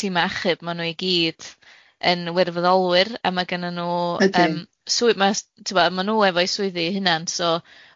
tima achub ma nw i gyd yn wirfoddolwyr a ma' genna nw... Ydyn... yym swyd- ma' tibod ma' nw efo'u swyddi eu hunain so